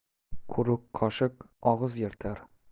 quruq qoshiq og'iz yirtar